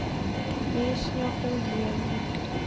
песня уеду